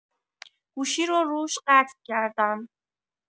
گوشی رو روش قطع کردم.